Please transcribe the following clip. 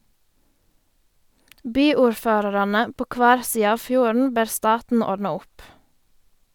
Byordførarane på kvar side av fjorden ber staten ordna opp.